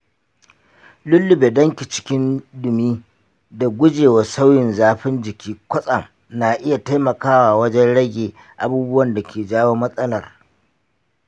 lullube danki cikin ɗumi da guje wa sauyin zafin jiki kwatsam na iya taimakawa wajen rage abubuwan da ke jawo matsalar.